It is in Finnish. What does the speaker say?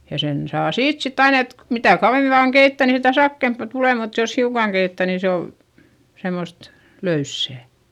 ja sen saa siitä sitten aina että mitä kauemmin vain keittää niin sitä sakeampaa tulee mutta jos hiukan keittää niin se oli semmoista löysää